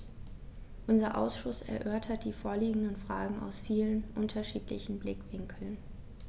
Unser Ausschuss erörtert die vorliegenden Fragen aus vielen unterschiedlichen Blickwinkeln.